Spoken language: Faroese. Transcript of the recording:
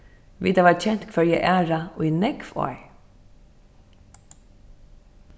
vit hava kent hvørja aðra í nógv ár